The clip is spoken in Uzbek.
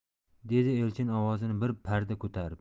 dedi elchin ovozini bir parda ko'tarib